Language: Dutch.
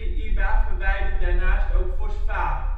IBA verwijdert daarnaast ook fosfaat